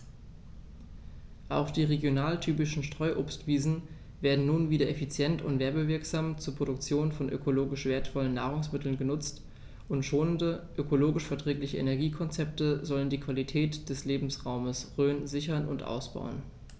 Auch die regionaltypischen Streuobstwiesen werden nun wieder effizient und werbewirksam zur Produktion von ökologisch wertvollen Nahrungsmitteln genutzt, und schonende, ökologisch verträgliche Energiekonzepte sollen die Qualität des Lebensraumes Rhön sichern und ausbauen.